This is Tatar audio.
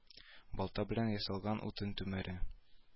Балта белән ясалган утын түмәре